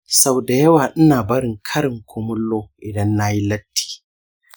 sau da yawa ina barin karin kumallo idan na yi latti.